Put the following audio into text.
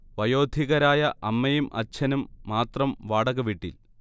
വയോധികരായ അമ്മയും അച്ഛനും മാത്രം വാടക വീട്ടിൽ